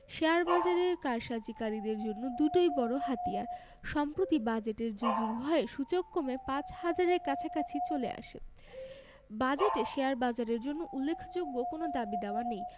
শেয়ারবাজারের কারসাজিকারীদের জন্য দুটোই বড় হাতিয়ার সম্প্রতি বাজেটের জুজুর ভয়ে সূচক কমে ৫ হাজারের কাছাকাছি চলে আসে বাজেটে শেয়ারবাজারের জন্য উল্লেখযোগ্য কোনো দাবিদাওয়া নেই